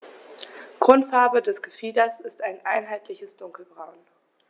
Grundfarbe des Gefieders ist ein einheitliches dunkles Braun.